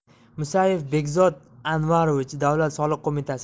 musayev behzod anvarovich davlat soliq qo'mitasi raisi